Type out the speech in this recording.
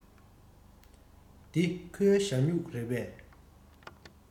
འདི ཁོའི ཞ སྨྱུག རེད པས